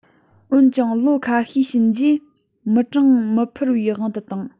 འོན ཀྱང ལོ ཁ ཤས ཕྱིན རྗེས མི གྲངས མི འཕར བའི དབང དུ བཏང